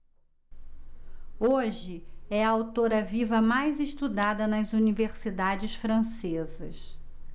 hoje é a autora viva mais estudada nas universidades francesas